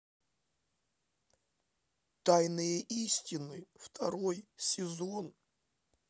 тайные истины второй сезон